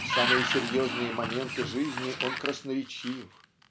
В самые серьезные моменты жизни он красноречив